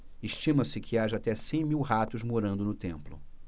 estima-se que haja até cem mil ratos morando no templo